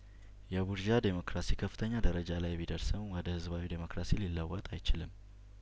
የቡርዣ ዴሞክራሲ ከፍተኛ ደረጃ ላይ ቢደርስም ወደ ህዝባዊ ዴሞክራሲ ሊለወጥ አይችልም